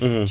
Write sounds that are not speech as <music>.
<hesitation> <hesitation>